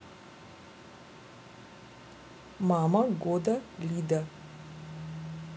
мама года лида